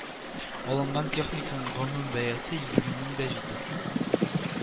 Алынган техниканың гомум бәясе егерме мең дә җиде